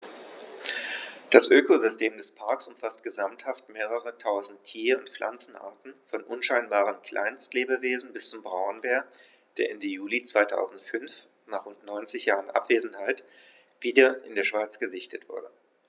Das Ökosystem des Parks umfasst gesamthaft mehrere tausend Tier- und Pflanzenarten, von unscheinbaren Kleinstlebewesen bis zum Braunbär, der Ende Juli 2005, nach rund 90 Jahren Abwesenheit, wieder in der Schweiz gesichtet wurde.